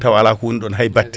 taw ala ko woni ɗon hay batte